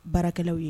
Baarakɛlaw ye